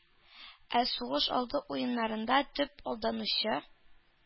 Ә сугыш алды уеннарында төп алданучы,